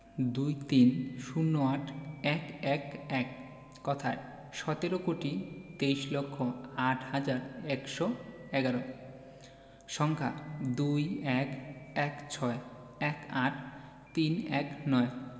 ২৩ ০৮ ১১১ কথায়ঃ সতেরো কোটি তেইশ লক্ষ আট হাজার একশো এগারো সংখ্যাঃ ২১ ১৬ ১৮ ৩১৯